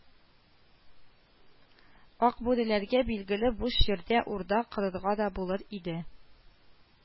Акбүреләргә, билгеле, буш җирдә урда корырга да булыр иде